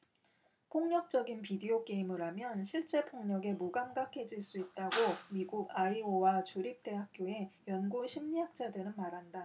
폭력적인 비디오 게임을 하면 실제 폭력에 무감각해질 수 있다고 미국 아이오와 주립 대학교의 연구 심리학자들은 말한다